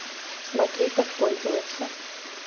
смотри как пользоваться